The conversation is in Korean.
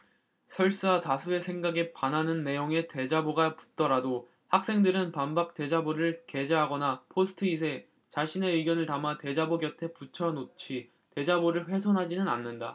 설사 다수의 생각에 반하는 내용의 대자보가 붙더라도 학생들은 반박 대자보를 게재하거나 포스트잇에 자신의 의견을 담아 대자보 곁에 붙여놓지 대자보를 훼손하지는 않는다